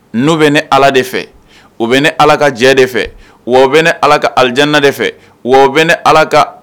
N'u bɛ ne ala de fɛ u bɛ ne ala ka jɛ de fɛ bɛ ne ala ka aladana de fɛ bɛ ne ala ka